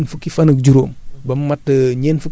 nga defaat la même chose wëlbatiwaat ko